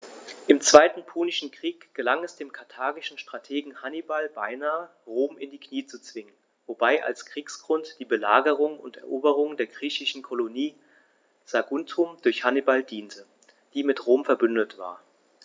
Im Zweiten Punischen Krieg gelang es dem karthagischen Strategen Hannibal beinahe, Rom in die Knie zu zwingen, wobei als Kriegsgrund die Belagerung und Eroberung der griechischen Kolonie Saguntum durch Hannibal diente, die mit Rom „verbündet“ war.